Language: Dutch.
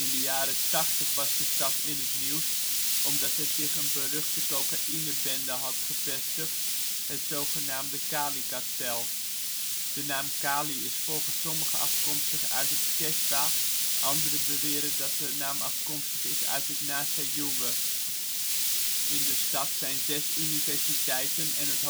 de jaren ' 80 was de stad in het nieuws omdat er zich een beruchte cocaïnebende had gevestigd, het zogenaamde Calikartel. De naam Cali is volgens sommigen afkomstig uit het Quechua, anderen beweren dat de naam afkomstig is uit het Nasa Yuwe. In de stad zijn zes universiteiten en het